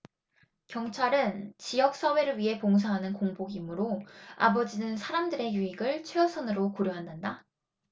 경찰은 지역 사회를 위해 봉사하는 공복이므로 아버지는 사람들의 유익을 최우선적으로 고려한단다